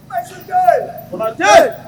Baasiketɛ